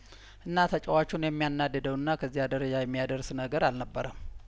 እና ተጫዋቹን የሚያናድደውና ከዚያደረጃ የሚያደርስ ነገር አልነበረም